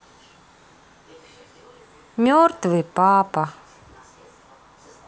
мертвый папа